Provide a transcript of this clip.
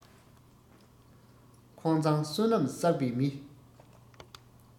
ཁོང མཛངས བསོད ནམས བསགས པའི མི